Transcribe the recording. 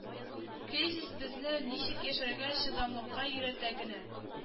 Кризис безне ничек яшәргә чыдамлыкка өйрәтә генә